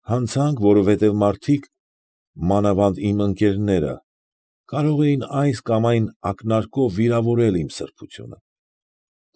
Հանցանք, որովհետև մարդիկ, մանավանդ իմ մտերիմ ընկերները կարող էին այս կամ այն ակնարկով վիրավորել իմ սրբությունը։